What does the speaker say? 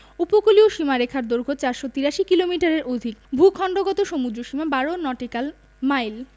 উপকূলীয় সীমারেখার দৈর্ঘ্য ৪৮৩ কিলোমিটারের অধিক ভূখন্ডগত সমুদ্রসীমা ১২ নটিক্যাল মাইল